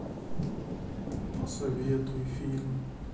посоветуй фильм